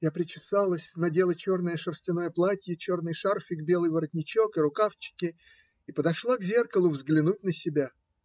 Я причесалась, надела черное шерстяное платье, черный шарфик, белый воротничок и рукавчики и подошла к зеркалу взглянуть на себя.